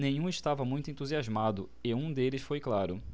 nenhum estava muito entusiasmado e um deles foi claro